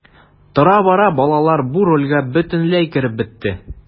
Тора-бара балалар бу рольгә бөтенләй кереп бетте.